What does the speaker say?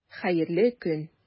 Хәерле көн!